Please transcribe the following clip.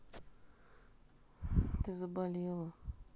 ты заболела